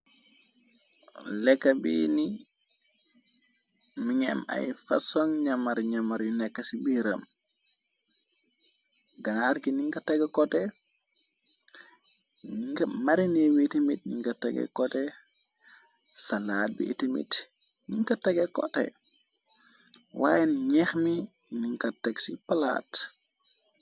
Lekka biini mungi ay fasong namar ñamar yu nekka ci biiram. Ganarki nung tégé kote marini witi mit nung ko tege kote salaat bi tamit nung tege kote waayén ñeeh mi nung ko teg ci palaat.